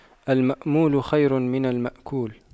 المأمول خير من المأكول